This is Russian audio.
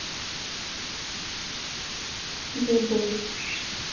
зе бойс